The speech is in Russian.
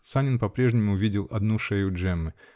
Санин по-прежнему видел одну шею Джеммы.